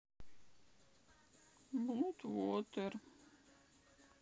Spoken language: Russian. блуд вотер